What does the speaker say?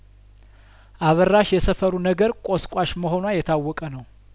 አበራሽ የሰፈሩ ነገር ቆስቋሽ መሆኗ የታወቀ ነው